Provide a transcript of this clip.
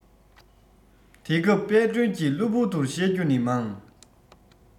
དེ སྐབས དཔལ སྒྲོན གྱི གློ བུར དུ བཤད རྒྱུ ནི མང